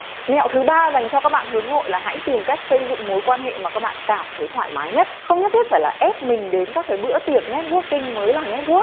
mẹo thứ dành cho các bạn hướng nội là hãy tìm cách xây dựng mối quan hệ mà các bạn cảm thấy thoải mái nhất không nhất thiết phải là ép mình đến các cái bữa tiệc networking mới là network